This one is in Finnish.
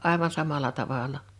aivan samalla tavalla